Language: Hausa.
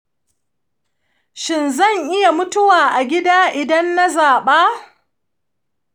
shin zan iya mutuwa a gida idan na zaɓa?